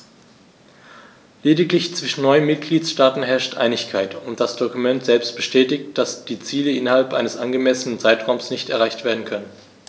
Lediglich zwischen neun Mitgliedsstaaten herrscht Einigkeit, und das Dokument selbst bestätigt, dass die Ziele innerhalb eines angemessenen Zeitraums nicht erreicht werden können.